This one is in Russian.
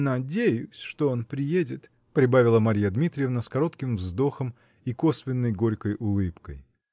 надеюсь, что он приедет, -- прибавила Марья Дмитриевна с коротким вздохом и косвенной горькой улыбкой.